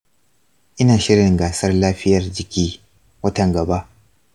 ina shirin gasar lafiyar jiki watan gaba.